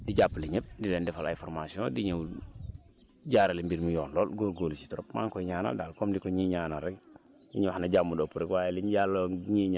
projet bi ñëw mu boole si ñëpp di jàppale ñëpp di leen defal ay formations di ñëw jaarale mbir mi yoon lool góorgóorlu si trop maa ngi koy ñaanal daal comme li ko ñii ñaanal rek